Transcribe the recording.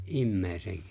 ihmisen